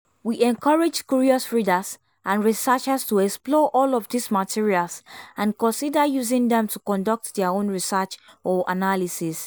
We encourage curious readers and researchers to explore all of these materials and consider using them to conduct their own research or analysis.